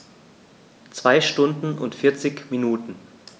2 Stunden und 40 Minuten